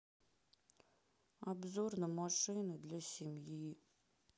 обзор на машины для семьи